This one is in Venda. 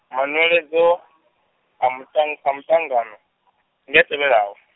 manweledzo , a muta- a muṱangano, ndi a tevhelaho.